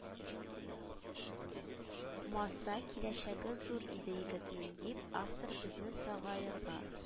Маса, киләчәге зур иде егетнең дип, автор безне сагаерга